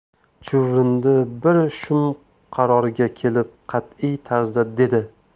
chuvrindi bir shum qarorga kelib qat'iy tarzda dedi